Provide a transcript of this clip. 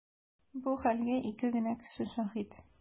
Бу хәлгә ике генә кеше шаһит.